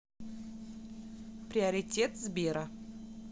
приоритет сбера